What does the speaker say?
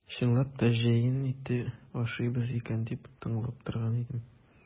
Чынлап та җәен ите ашыйбыз икән дип тыңлап торган идем.